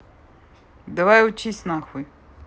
давай учись нахуй